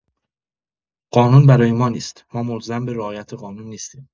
قانون برای ما نیست ما ملزم به رعایت قانون نیستیم